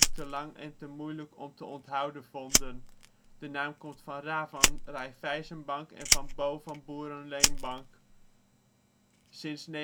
te lang en te moeilijk om te onthouden vonden. De naam komt van Raiffeisenbank-Boerenleenbank. Sinds 1980